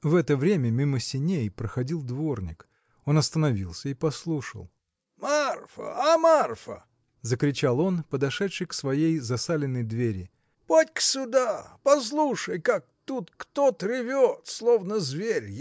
В это время мимо сеней проходил дворник. Он остановился и послушал. – Марфа, а Марфа! – закричал он подошедши к своей засаленной двери – подь-ка сюда послушай как тут кто-то ревет словно зверь.